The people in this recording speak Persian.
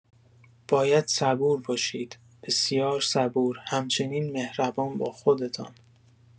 باید صبور باشید، بسیار صبور، همچنین مهربان با خودتان.